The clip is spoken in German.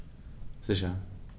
Sicher.